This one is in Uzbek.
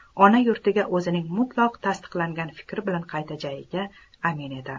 ona yurtiga o'zining mutlaq tasdiqlangan fikri bilan qaytajagiga amin edi